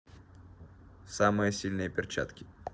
самые сильные перчатки